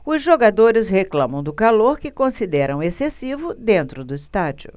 os jogadores reclamam do calor que consideram excessivo dentro do estádio